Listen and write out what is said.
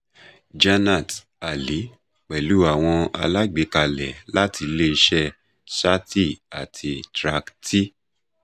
Jannat Ali Pẹ̀lú àwọn alágbèékalẹ̀ láti ilé-iṣẹ́ Sathi àti Track-T.